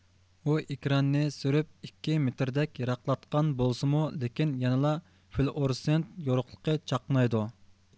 ئۇ ئېكراننى سۈرۈپ ئىككى مېتىردەك يىراقلاتقان بولسىمۇ لېكىن يەنىلا فلۇئورسېنت يورۇقلۇقى چاقنايدۇ